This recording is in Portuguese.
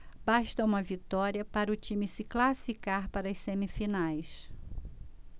basta uma vitória para o time se classificar para as semifinais